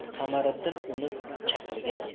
qamariddin uni chaqirgan edi